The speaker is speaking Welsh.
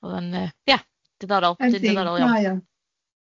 O'dd o'n yy ia diddorol, dyn diddorol iawn.